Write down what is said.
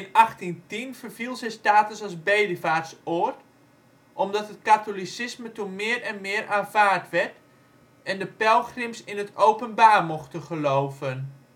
In 1810 verviel zijn status als bedevaartsoord omdat het katholicisme toen meer en meer aanvaard werd en de pelgrims in het openbaar mochten geloven